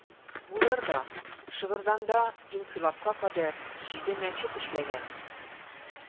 Булыр да, Шыгырданда инкыйлабка кадәр җиде мәчет эшләгән.